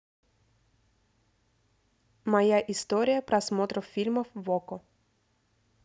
моя история просмотров фильмов в окко